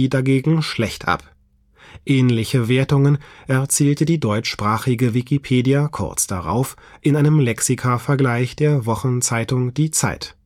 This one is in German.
dagegen schlecht ab − ähnliche Wertungen erzielte die deutschsprachige Wikipedia kurz darauf in einem Lexikavergleich der Wochenzeitung Die Zeit